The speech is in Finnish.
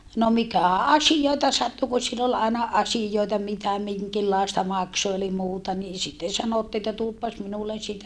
no mikä asioita sattui kun sillä oli aina asioita mitä minkinlaista - eli muuta niin sitten sanottiin että tuopas minulle sitä